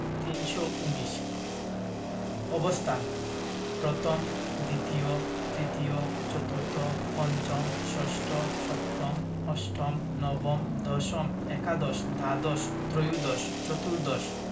তিনশো উনিশ অবস্থানঃ প্রথম দ্বিতীয় তৃতীয় চতুর্থ পঞ্চম ষষ্ঠ সপ্তম অষ্টম নবম দশম একাদশ দ্বাদশ ত্ৰয়োদশ চতুর্দশ